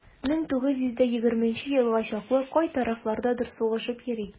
1920 елга чаклы кай тарафлардадыр сугышып йөри.